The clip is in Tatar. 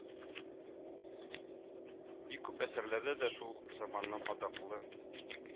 Бик күп әсәрләрдә дә шул заманның атаклы